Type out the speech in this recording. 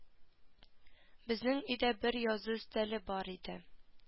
Безнең өйдә бер язу өстәле бар иде